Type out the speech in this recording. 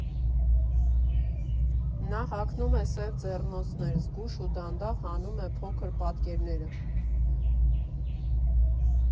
Նա հագնում է սև ձեռնոցներ, զգույշ ու դանդաղ հանում է փոքր պատկերները.